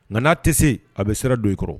Nka n'a tɛ se, a bɛ sira don i kɔrɔ